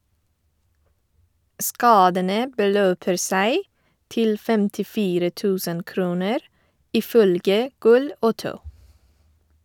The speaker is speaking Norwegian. Skadene beløper seg til 54.000 kroner, ifølge Gol Auto.